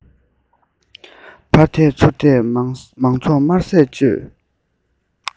ཕར དེད ཚུར དེད མང ཚོགས དམར ཟས བཅད